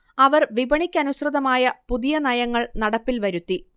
അവർ വിപണിക്കനുസൃതമായ പുതിയ നയങ്ങൾ നടപ്പിൽ വരുത്തി